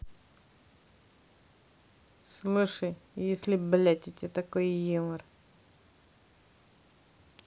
слушай если блядь у тебя такой юмор